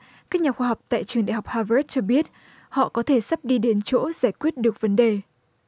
các nhà khoa học tại trường đại học ha vớt cho biết họ có thể sắp đi đến chỗ giải quyết được vấn đề